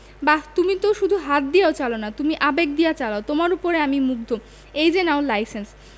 বাহ তুমি তো শুধু হাত দিয়া চালাও না তুমি আবেগ দিয়া চালাও তোমার উপর আমি মুগ্ধ এই যে নাও লাইসেন্স